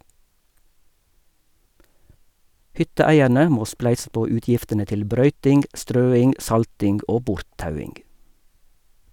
Hytteeierne må spleise på utgiftene til brøyting, strøing, salting og borttauing.